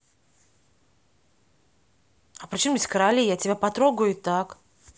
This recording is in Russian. а причем здесь короли я тебя потрогаю и так